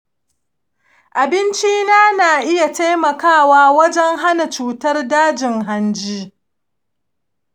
abincina na iya taimakawa wajen hana cutar dajin hanji?